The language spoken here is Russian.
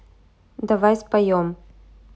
давай споем